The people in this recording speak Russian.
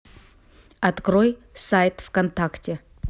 открой сайт вконтакте